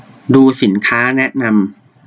ดูสินค้าแนะนำ